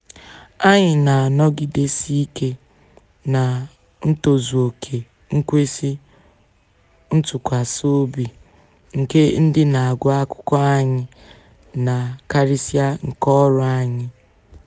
"Anyị na-anọgidesi ike na ntozuoke nkwesị ntụkwasị obi nke ndị na-agụ akwụkwọ anyị na karịsịa nke ọrụ anyị.